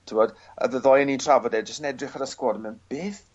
T'wbod a odd y ddou o' ni'n trafod e jyst yn edrych ar y sgwad a myn' beth